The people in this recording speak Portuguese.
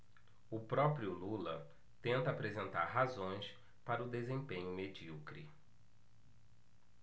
o próprio lula tenta apresentar razões para o desempenho medíocre